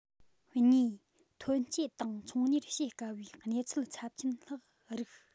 གཉིས ཐོན སྐྱེད དང ཚོང གཉེར བྱེད དཀའ བའི གནས ཚུལ ཚབས ཆེན ལྷགས རིགས